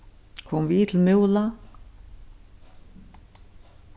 kom við til múla